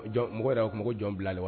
Jɔn mɔgɔ yɛrɛ u tun ko jɔn bila la wa